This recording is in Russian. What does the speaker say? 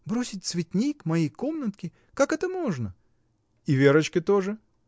— Бросить цветник, мои комнатки. как это можно! — И Верочка тоже?